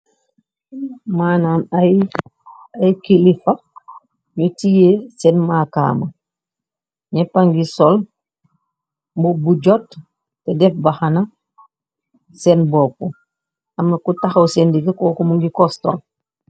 Manam ayy kilifa yi tee sen makama yepangi sol mbub bu jot def mbahana sen bopu amna ku takhaw sen diga koku mungi custom.